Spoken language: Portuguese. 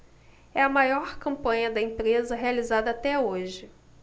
é a maior campanha da empresa realizada até hoje